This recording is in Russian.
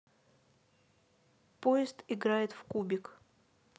поезд играет в кубик